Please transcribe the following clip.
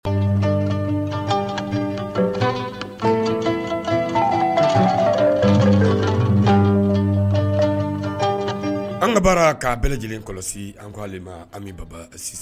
An ka baara kaa bɛɛ lajɛlen kɔlɔsi an ko ale maa Ami Baba assist